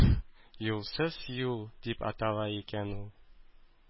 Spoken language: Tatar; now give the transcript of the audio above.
«юлсыз юл» дип атала икән ул.